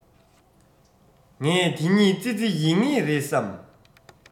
ངས དེ གཉིས ཙི ཙི ཡིན ངེས རེད བསམ